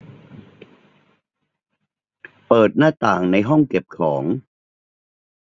เปิดหน้าต่างในห้องเก็บของ